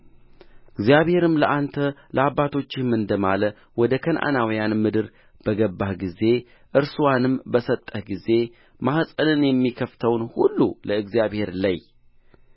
እግዚአብሔርም ለአንተ ለአባቶችህም እንደ ማለ ወደ ከነዓናውያን ምድር ባገባህ ጊዜ እርስዋንም በሰጠህ ጊዜ ማሕፀንን የሚከፍተውን ሁሉ ለእግዚአብሔር ለይ